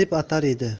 deb atar edi